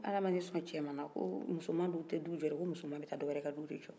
ala ma ne sɔn cɛma la ko muso ma dun tɛ jɔ dɛ muso ma bɛ taka du wɛrɛ de jɔ